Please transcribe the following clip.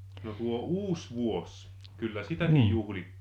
no tuo uusivuosi kyllä sitäkin juhlittiin